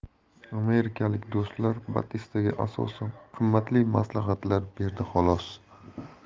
amerikalik do'stlar batistaga asosan qimmatli maslahatlar berdi xolos